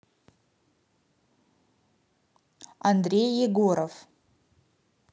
андрей егоров